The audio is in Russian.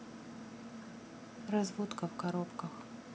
разводка в коробках